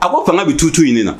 A ko fana bɛ tu tu ɲini na